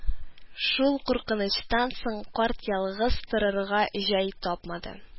Шул куркынычтан соң карт ялгыз торырга җай тапмады